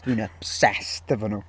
Dwi'n obsessed efo nhw!